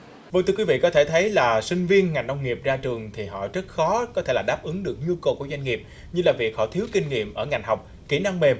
vâng thưa quý vị có thể thấy là sinh viên ngành nông nghiệp ra trường thì họ rất khó có thể là đáp ứng được nhu cầu của doanh nghiệp như là việc họ thiếu kinh nghiệm ở ngành học kỹ năng mềm